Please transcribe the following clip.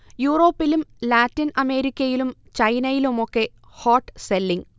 യൂറോപ്പിലും ലാറ്റിൻ അമേരിക്കയിലും ചൈനയിലുമൊക്കെ ഹോട്ട് സെല്ലിങ്